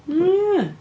O ia.